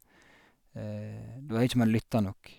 Da har ikke man lytta nok.